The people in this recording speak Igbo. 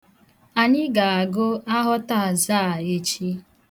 Anyị ga-agụ aghọtaaza a echi.